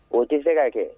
O tɛ se ka kɛ